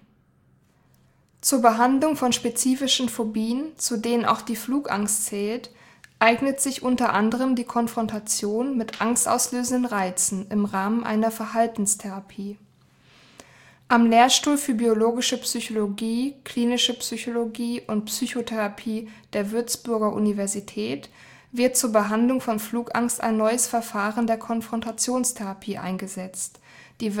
Zur Behandlung von spezifischen Phobien, zu denen auch die Flugangst zählt, eignet sich unter anderem die Konfrontation mit angstauslösenden Reizen im Rahmen einer Verhaltenstherapie. Am Lehrstuhl für Biologische Psychologie, Klinische Psychologie und Psychotherapie der Würzburger Universität wird zur Behandlung von Flugangst ein neues Verfahren der Konfrontationstherapie eingesetzt, die